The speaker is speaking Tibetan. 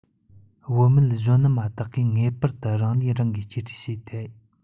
བུད མེད གཞོན ནུ མ དག གིས ངེས པར དུ རང ལུས རང གིས གཅེས སྤྲས བྱས ཏེ